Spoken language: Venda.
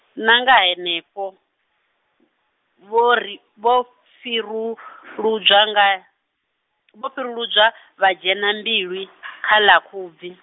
nanga henefho, vho ri, vho fhiruludzwa nga, vho fhiruludzwa vha dzhena Mbilwi, khala Khubvi.